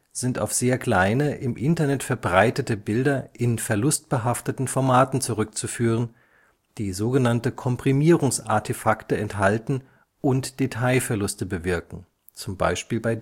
sind auf sehr kleine, im Internet verbreitete Bilder in verlustbehafteten Formaten zurückzuführen, die sogenannte Komprimierungsartefakte enthalten und Detailverluste bewirken (zum Beispiel bei